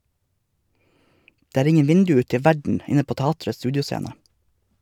Det er ingen vindu ut til verden inne på teatrets studioscene.